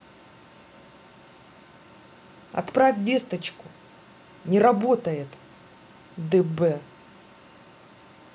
отправь весточку не работает дб